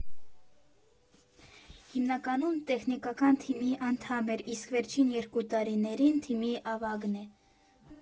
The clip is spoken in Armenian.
Հիմնականում տեխնիկական թիմի անդամ էր, իսկ վերջին երկու տարիներին թիմի ավագն է։